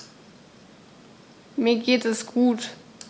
Mir geht es gut.